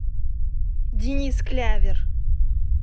денис клявер